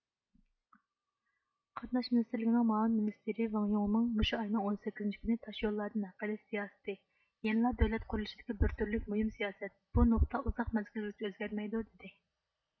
قاتناش مىنىستىرلىكىنىڭ مۇئاۋىن مىنىستىرى ۋېڭيوڭمېڭ مۇشۇ ئاينىڭ ئون سەككىزىنچى كۈنى تاشيوللاردىن ھەق ئېلىش سىياسىتى يەنىلا دۆلەت قۇرۇلۇشىدىكى بىر تۈرلۈك مۇھىم سىياسەت بۇ نۇقتا ئۇزاق مەزگىلگىچە ئۆزگەرمەيدۇ دېدى